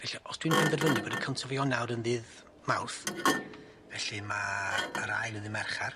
Felly os dwi'n penderfynu bod y cyntaf o Ionawr yn ddydd Mawrth, felly ma' yr ail yn ddy' merchar